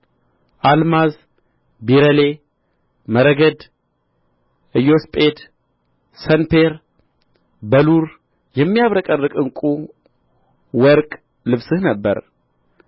አልማዝ ቢረሌ መረግድ ኢያስጲድ ሰንፔር በሉር የሚያብረቀርቅ ዕንቍ ወርቅ ልብስህ ነበረ